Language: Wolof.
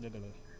dëgg la